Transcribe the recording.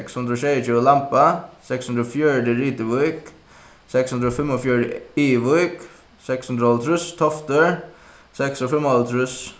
seks hundrað og sjeyogtjúgu lamba seks hundrað og fjøruti rituvík seks hundrað og fimmogfjøruti æðuvík seks hundrað og hálvtrýss toftir seks hundrað og fimmoghálvtrýss